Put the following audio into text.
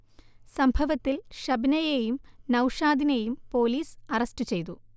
സംഭവത്തിൽ ഷബ്നയേയും നൗഷാദിനേയും പോലീസ് അറസ്റ്റ് ചെയ്തു